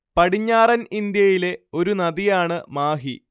പടിഞ്ഞാറൻ ഇന്ത്യയിലെ ഒരു നദിയാണ് മാഹി